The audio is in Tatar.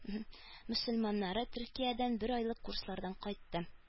Мөселманнары төркиядән бер айлык курслардан кайтты